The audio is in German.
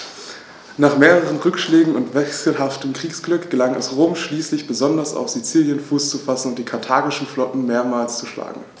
Nach mehreren Rückschlägen und wechselhaftem Kriegsglück gelang es Rom schließlich, besonders auf Sizilien Fuß zu fassen und die karthagische Flotte mehrmals zu schlagen.